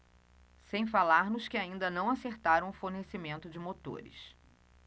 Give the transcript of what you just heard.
sem falar nos que ainda não acertaram o fornecimento de motores